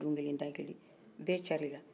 don kelen da kelen bɛɛ carila